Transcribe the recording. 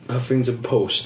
Huffington Post